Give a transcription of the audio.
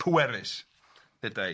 Pwerus, ddedai.